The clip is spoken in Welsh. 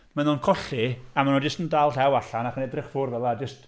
Maen nhw'n colli a maen nhw jyst yn dal llaw allan ac yn edrych ffwrdd fel yna, jyst...